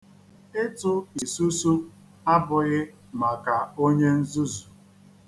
Ịtụ isusu abụghị maka onye nzuzu.